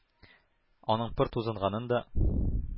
Аның пыр тузынганын да,